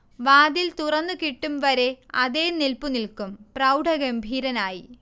വാതിൽ തുറന്നു കിട്ടും വരെ അതേ നില്പു നിൽക്കും, പ്രൗഢഗംഭീരനായി